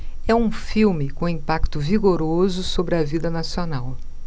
é um filme com um impacto vigoroso sobre a vida nacional